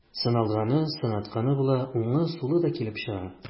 Сыналганы, сынатканы була, уңы, сулы да килеп чыга.